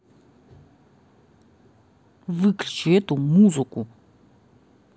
выключи эту музыку